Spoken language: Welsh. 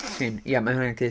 Ie, mae hwnna'n gweithio.